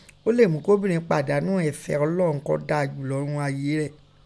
Ọ́ lè mú k'Obìrin pàdánù ẹ̀fẹ́ Ọlọ́un kọ́ dára jùlọ ún ayé rẹ̀.